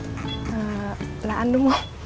à là anh đúng không